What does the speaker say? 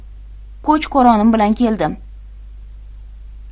ko'ch ko'ronim bilan keldim